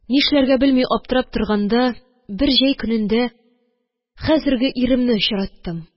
Нишләргә белми аптырап торганда, бер җәй көнендә хәзерге иремне очраттым